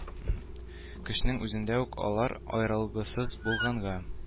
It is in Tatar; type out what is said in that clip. Кешенең үзендә үк алар аерылгысыз булганга